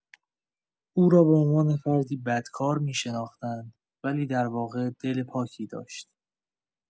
او را به‌عنوان فردی بدکار می‌شناختند، ولی در واقع دل پاکی داشت.